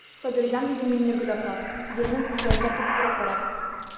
Сабирҗан,– диде Миннегөл апа, иренең күзләренә туп-туры карап.